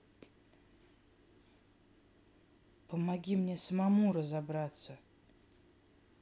помоги мне самому разобраться